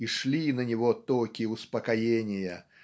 и шли на него токи успокоения